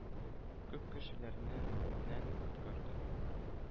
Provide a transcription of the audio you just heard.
Күп кешеләрне үлемнән коткарды.